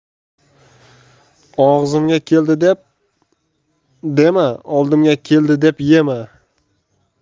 og'zimga keldi deb dema oldimga keldi deb yema